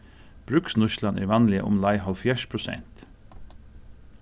brúksnýtslan er vanliga umleið hálvfjerðs prosent